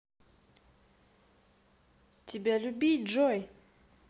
тебя любить джой